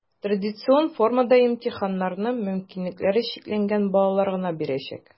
Традицион формада имтиханнарны мөмкинлекләре чикләнгән балалар гына бирәчәк.